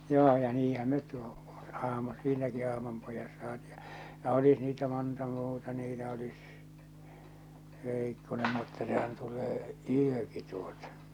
joo ja niinhän me - ahma siinäkin ahmanpojassa saatiin ja ja olisi niitä monta muuta niitä olisi veikkonen mutta sehän tulee yökin tuota